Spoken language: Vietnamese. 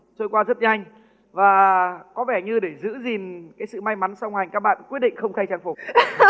trôi qua rất nhanh và có vẻ như để giữ gìn sự may mắn song hành các bạn quyết định không thay trang phục